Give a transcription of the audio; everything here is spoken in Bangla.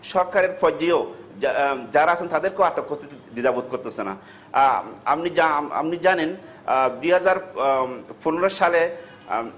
সরকারের পর্যায়েও যারা আছেন তাদের কেও আটক করতে দ্বিধা বোধ করছেন না আপনি জানেন ২০১৫ সালে